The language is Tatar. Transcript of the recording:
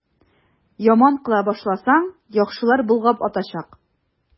Яман кыла башласаң, яхшылар болгап атачак.